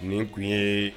Nin tun yeee